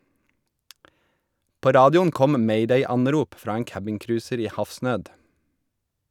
På radioen kom mayday-anrop fra en cabincruiser i havsnød.